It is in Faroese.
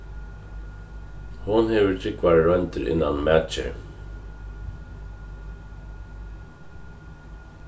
hon hevur drúgvar royndir innan matgerð